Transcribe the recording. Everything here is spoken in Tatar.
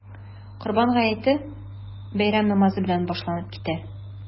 Корбан гаете бәйрәм намазы белән башланып китә.